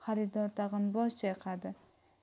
xaridor tag'in bosh chayqadi